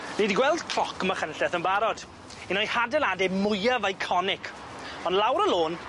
Ni 'di gweld cloc Machynlleth yn barod, un o'i hadeilade mwyaf eiconic on' lawr y lon